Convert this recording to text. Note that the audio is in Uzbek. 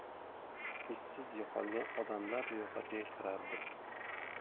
izsiz yo'qolgan odamlar ro'yxatiga kirardi